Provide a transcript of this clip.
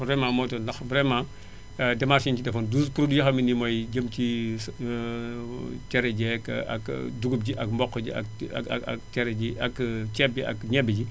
vraiment moo tax ndax vraiment démarches yi ñu ci defoon 12 produits yoo xam ne nii mooy jëm cii cere jeeg ak dugub ji ak mboq ji ak ak ak cere ji ak ceeb bi ak ñebe ji